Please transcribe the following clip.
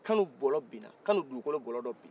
kanu bɔlɔ bina kanu dugukolo bɔlɔ dɔ bina